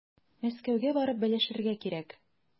Мәскәүгә барып белешергә кирәк.